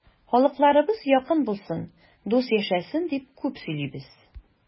Халыкларыбыз якын булсын, дус яшәсен дип күп сөйлибез.